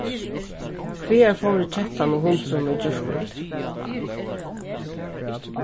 hvagar fóru kettan og hundurin í gjárkvøldið